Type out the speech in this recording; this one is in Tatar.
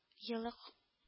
Елы